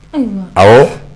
Ɔwɔ